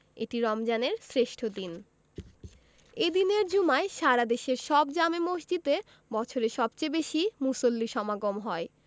এটি রমজানের শ্রেষ্ঠ দিন এ দিনের জুমায় সারা দেশের সব জামে মসজিদে বছরের সবচেয়ে বেশি মুসল্লির সমাগম হয়